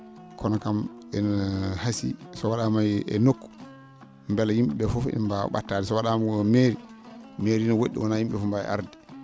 kono kam ina hasii so wa?aama e nokku mbela yim?e ?ee fof ina mbaawa ?attaade so wa?aama mairie mairie no wo??ii wona yim?e ?ee fof mbaawi arde